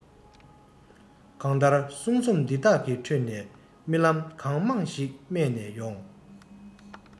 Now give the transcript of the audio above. གང ལྟར གསུང རྩོམ འདི དག གི ཁྲོད ནས རྨི ལམ གང མང ཞིག རྨས ནས ཡོང